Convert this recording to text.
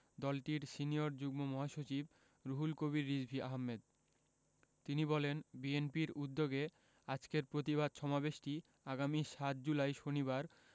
দলটির সিনিয়র যুগ্ম মহাসচিব রুহুল কবির রিজভী আহমেদ তিনি বলেন বিএনপির উদ্যোগে আজকের প্রতিবাদ সমাবেশটি আগামী ৭ জুলাই শনিবার